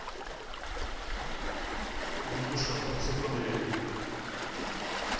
гугуша максим фадеев